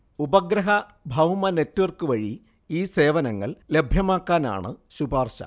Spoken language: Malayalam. ഉപഗ്രഹ ഭൗമ നെറ്റ്വർക്ക് വഴി ഈ സേവനങ്ങൾ ലഭ്യമാക്കാനാണു ശുപാർശ